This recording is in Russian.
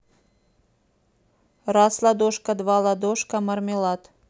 раз ладошка два ладошка мармелад